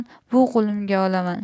bu qo'limdan u qo'limga olaman